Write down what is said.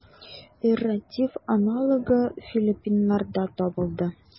Эрратив аналогы филиппиннарда табылды.